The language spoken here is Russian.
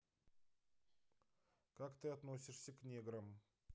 как ты относишься к неграм